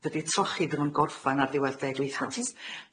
dydi trochi ddim'n gorffan ar ddiwedd deg wythnos.